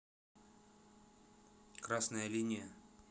красная линия